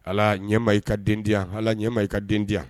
Ala ɲɛma i ka den di yan hali ɲɛmaa i ka den diya